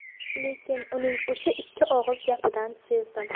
lekin uning o'sha ikki og'iz gapidan sezdim